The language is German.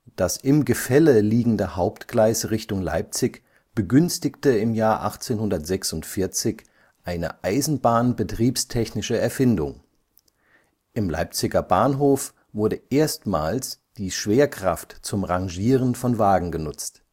Das im Gefälle liegende Hauptgleis in Richtung Leipzig begünstigte im Jahr 1846 eine eisenbahnbetriebstechnische Erfindung: Im Leipziger Bahnhof wurde erstmals die Schwerkraft zum Rangieren von Wagen genutzt